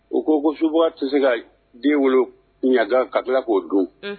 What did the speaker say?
U ko ko suba tɛ se ka den wolo ɲaga ka tila k'o dun